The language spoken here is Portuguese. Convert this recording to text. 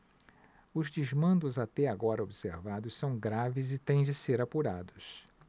os desmandos até agora observados são graves e têm de ser apurados